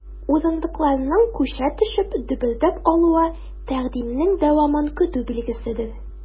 Урындыкларның, күчә төшеп, дөбердәп алуы— тәкъдимнең дәвамын көтү билгеседер.